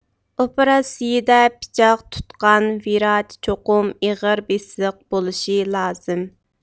ئوپېراتسىيىدە پىچاق تۇتقان ۋىراچ چوقۇم ئېغىر بېسىق بولۇشى لازىم